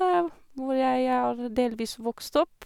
Hvor jeg er delvis vokst opp.